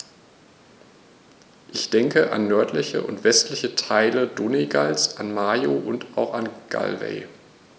Ich denke an nördliche und westliche Teile Donegals, an Mayo, und auch Galway.